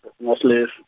ngowesilis-.